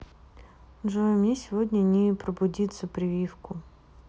джой мне сегодня не пробудится прививку